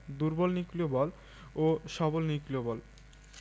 দুর্বল নিউক্লিয় বল ও সবল নিউক্লিয় বল